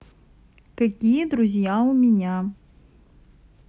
какие друзья у меня